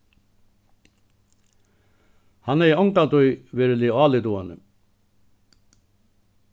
hann hevði ongantíð veruliga álit á henni